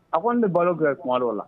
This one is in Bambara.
A kɔni be balo fɛ tumadɔw la